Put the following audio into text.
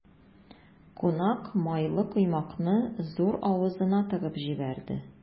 Кунак майлы коймакны зур авызына тыгып җибәрде.